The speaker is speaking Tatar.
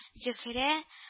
Зөһрә